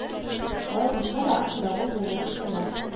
Алай булса да, давыл булуы көтелә